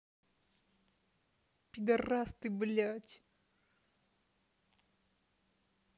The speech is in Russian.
пидарас ты блядь